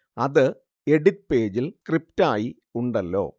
അത് എഡിറ്റ് പേജിൽ സ്ക്രിപ്റ്റ് ആയി ഉണ്ടല്ലോ